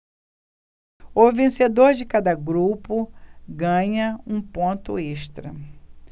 o vencedor de cada grupo ganha um ponto extra